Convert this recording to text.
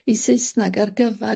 i Saesnag ar gyfar...